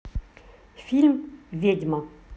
фильм ведьма